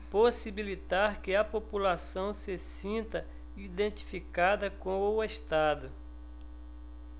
possibilitar que a população se sinta identificada com o estado